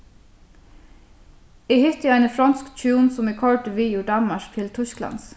eg hitti eini fronsk hjún sum eg koyrdi við úr danmark til týsklands